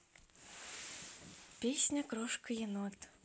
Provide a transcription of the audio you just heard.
песня крошка енот